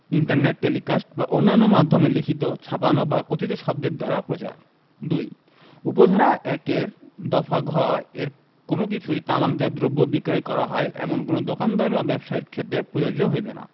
internet telecast বা অন্যান্য মাধ্যমে লিখিত ছাপানো বা কথিত শব্দের দ্বারা প্রচার ২ উপ ধারা ১ এর দফা ঘ এর কোন কিছুই তামাকজাত দ্রব্য বিক্রয় করা হয় এমন কোন দোকানদার বা ব্যবসায়ীর ক্ষেত্রে প্রযোজ্য হইবে না